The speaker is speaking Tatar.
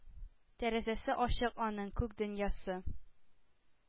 Тәрәзәсе ачык аның; күк дөньясы